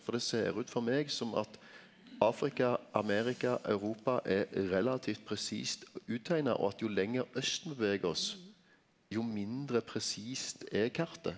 for det ser ut for meg som at Afrika, Amerika, Europa er relativt presist utteikna og at jo lenger aust me bevegar oss jo mindre presist er kartet.